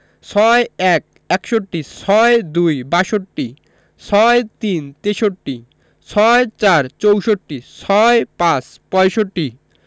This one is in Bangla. ৬১ একষট্টি ৬২ বাষট্টি ৬৩ তেষট্টি ৬৪ চৌষট্টি ৬৫ পয়ষট্টি